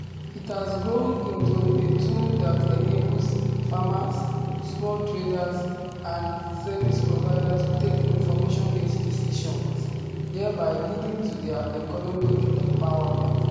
It has grown into a tool that enables, farmers, small traders and service providers to take information-based decisions, thereby leading to their economic empowerment.